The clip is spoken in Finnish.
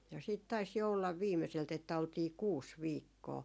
ja sitten taisi jo olla viimeiseltä että oltiin kuusi viikkoa